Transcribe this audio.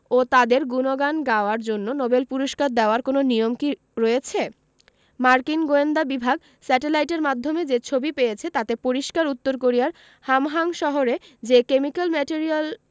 ও তাঁদের গুণগান গাওয়ার জন্য নোবেল পুরস্কার দেওয়ার কোনো নিয়ম কি রয়েছে মার্কিন গোয়েন্দা বিভাগ স্যাটেলাইটের মাধ্যমে যে ছবি পেয়েছে তাতে পরিষ্কার উত্তর কোরিয়ার হামহাং শহরে যে কেমিক্যাল ম্যাটেরিয়াল